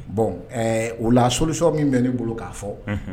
Bon u la solisi min bɛ ne n bolo k'a fɔ